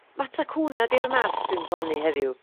matacuna 'di'r math dwi'n blannu heddiw